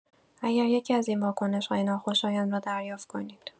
اگر یکی‌از این واکنش‌های ناخوشایند را دریافت کنید.